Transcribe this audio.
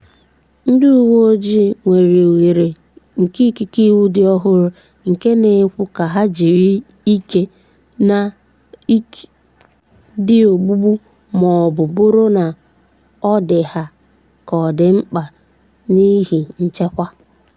Ndị uwe ojii nwere ohere nke ikike iwu ndị ọhụrụ nke na-ekwe ka ha jiri ike dị ogbugbu ma ọ bụrụ na ọ dị ha ka ọ dị mkpa n'ihi nchekwa.